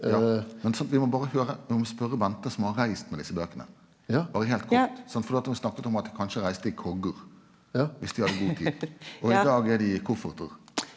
ja men sant vi må berre høyre nå må vi spørje Bente som har reist med desse bøkene berre heilt kort sant fordi at ho snakka om at dei kanskje reiste i koggar viss dei har god tid og i dag er dei i koffertar.